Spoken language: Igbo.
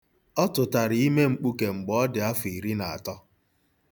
Ọ tụtara ime mkpuke mgbe ọ dị afọ iri na atọ.